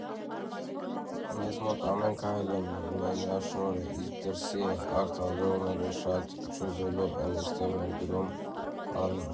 Մեզ մոտ ամեն քայլին մենաշնորհ է, իսկ դրսի արտադրողները շատ չուզելով են էստեղ ներդրում անում։